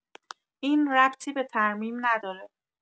این ربطی به ترمیم نداره.